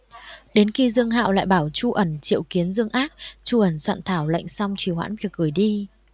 đến khi dương hạo lại bảo chu ẩn triệu kiến dương ác chu ẩn soạn thảo lệnh song trì hoãn việc gửi đi